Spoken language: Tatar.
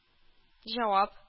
Җавап